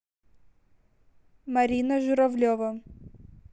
марина журавлева